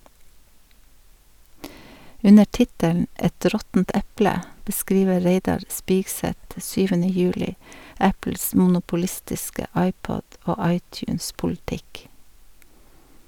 Under tittelen "Et råttent eple" beskriver Reidar Spigseth 7. juli Apples monopolistiske iPod- og iTunes-politikk.